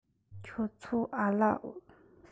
ཁྱོད ཚོ འ ལ ལོ ཆི མོ ཟིག ཡོད